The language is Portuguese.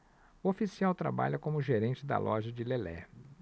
o oficial trabalha como gerente da loja de lelé